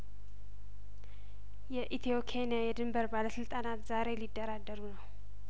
የኢትዮ ኬንያየድንበር ባለስልጣናት ዛሬ ሊደራደሩ ነው